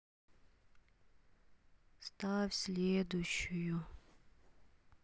ставь следующую